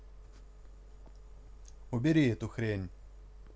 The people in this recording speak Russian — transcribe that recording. убери эту хрень